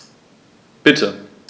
Bitte.